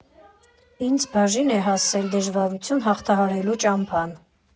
Ինձ բաժին է հասել դժվարություն հաղթահարելու ճամփան։